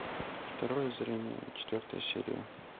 второе зрение четвертая серия